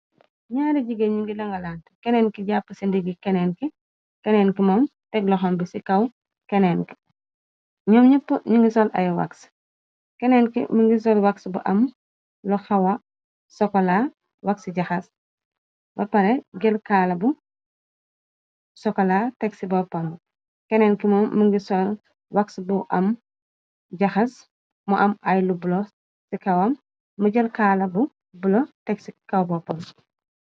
Nyaari jigeen ñu ngi dangalant keneen ki jàpp ci ndigi keneenk keneenki moom teg la xom bi ci kaw keneenki ñoom ñepp ñu ngi sol ay wàxs kenneen ki mi ngi sol wàxs bu am lu xawa sokola wagsi jaxas ba pale jël kaala bu sokolaa teg ci boppam keneenki moom mi ngi sol waxs bu am jaxas mu am ay lu bula ci kawam mi jël kaala bu bu la teg ci kaw boppam.